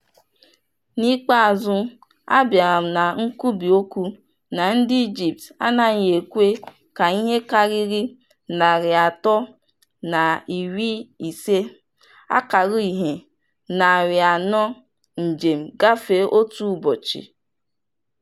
N'ikpeazụ, abịara m ná nkwubi okwu na ndị Ijipt anaghị ekwe ka ihe karịrị 350-400 njem gafee otu ụbọchị.